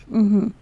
Unhun